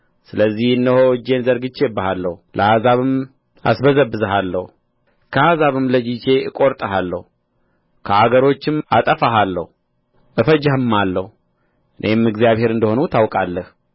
ስለዚህ እነሆ እጄን ዘርግቼብሃለህ ለአሕዛብም አስበዘብዝሃለሁ ከአሕዛብም ለይቼ እቈርጥሃለሁ ከአገሮችም አጠፋሃለሁ እፈጅህማለሁ እኔም እግዚአብሔር እንደ ሆንሁ ታውቃለህ